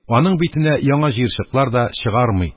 Аның битенә яңа җыерчыклар да чыгармый